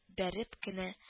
Бәреп кенә